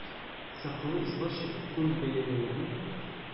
Сакаллы извозчик, күн бияләйләрен